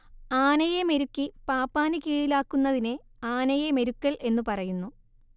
ആനയെ മെരുക്കി പാപ്പാന് കീഴിലാക്കുന്നതിനെ ആനയെ മെരുക്കൽ എന്നു പറയുന്നു